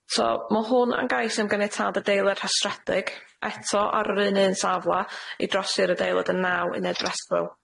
So ma' hwnna'n gais am ganiatâd adeilad rhestredig eto ar yr un un safle i drosi'r adeilad yn naw uned breswyl.